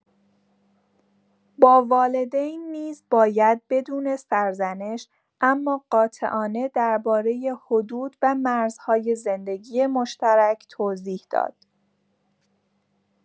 با والدین نیز باید بدون سرزنش، اما قاطعانه درباره حدود و مرزهای زندگی مشترک توضیح داد.